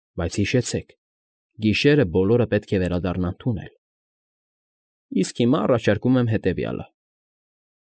Բայց հիմա առաջարկում եմ հետևյալը։